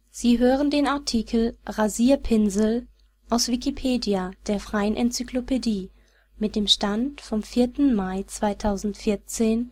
Sie hören den Artikel Rasierpinsel, aus Wikipedia, der freien Enzyklopädie. Mit dem Stand vom Der